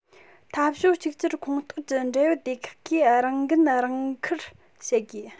འཐབ ཕྱོགས གཅིག གྱུར ཁོངས གཏོགས ཀྱི འབྲེལ ཡོད སྡེ ཁག གིས རང འགན རང འཁུར བྱེད དགོས